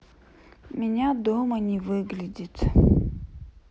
меня дома не выглядит